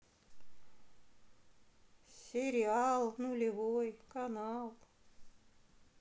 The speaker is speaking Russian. сериал нулевой канал